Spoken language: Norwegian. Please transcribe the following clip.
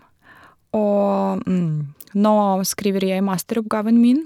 Og nå skriver jeg masteroppgaven min.